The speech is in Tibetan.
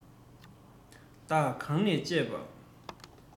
བདག གང ནས ཆས པ